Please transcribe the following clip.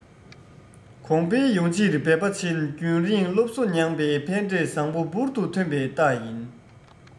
གོང འཕེལ ཡོང ཕྱིར འབད པ ཆེན རྒྱུན རིང སློབ གསོ མྱངས པའི ཕན འབྲས བཟང པོ འབུར དུ ཐོན པའི རྟགས ཡིན